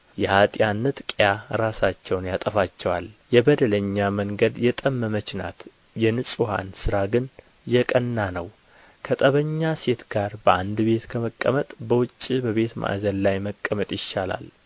የኀጥኣን ንጥቂያ ራሳቸውን ያጠፋቸዋል የበደለኛ መንገድ የጠመመች ናት የንጹሕ ሥራ ግን የቀና ነው ከጠበኛ ሴት ጋር በአንድ ቤት ከመቀመጥ በውጪ በቤት ማዕዘን ላይ መቀመጥ ይሻላል